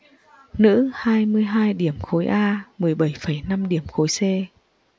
nữ hai mươi hai điểm khối a mười bảy phẩy năm điểm khối c